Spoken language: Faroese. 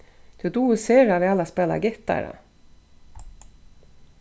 tú dugir sera væl at spæla gittara